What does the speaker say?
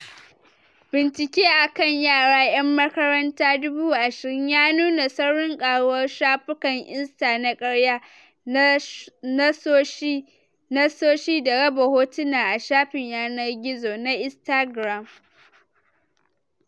Bincike a kan yara yan makaranta 20,000 ya nuna saurin karuwar shafukan “Insta na karya” - nassoshi da raba hotuna a shafin yanar-gizo na Instagram.